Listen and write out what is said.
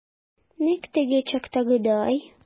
Нәкъ теге чактагыдай.